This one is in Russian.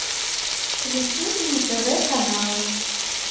включи мне тв каналы